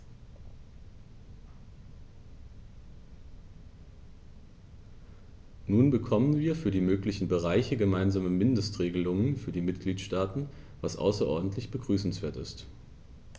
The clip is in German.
Nun bekommen wir für alle möglichen Bereiche gemeinsame Mindestregelungen für die Mitgliedstaaten, was außerordentlich begrüßenswert ist.